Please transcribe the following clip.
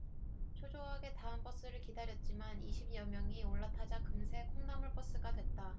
초조하게 다음 버스를 기다렸지만 이십 여 명이 올라타자 금세 콩나물 버스가 됐다